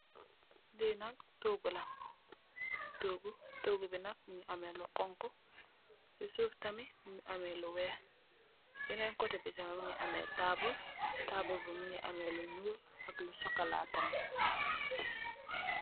Lenak togula. togu bi nak mu nge ameh lu honha si suf tamit munge gi ameh lu weyh. Benen koteh bi tamit munge ameh table.ta mitt munge ameh lu nul ak lu sokolaa